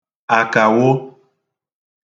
àkawo